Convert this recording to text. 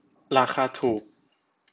ราคาถูก